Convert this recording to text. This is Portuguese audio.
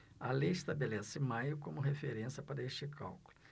a lei estabelece maio como referência para este cálculo